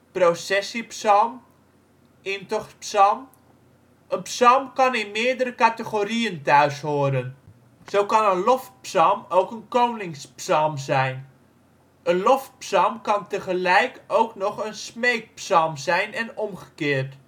processiepsalm, intochtspsalm Een psalm kan in meerdere categorieën thuishoren: zo kan een lofpsalm ook een koningspsalm zijn. Een lofpsalm kan tegelijk ook nog een smeekpsalm zijn en omgekeerd